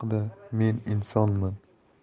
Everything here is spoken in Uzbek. haqida men insonman